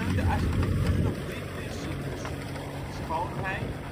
de architectuur op drie principes: Schoonheid